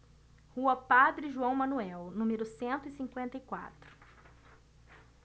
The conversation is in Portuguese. rua padre joão manuel número cento e cinquenta e quatro